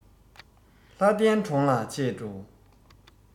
ལྷ ལྡན གྲོང ལ ཆས འགྲོ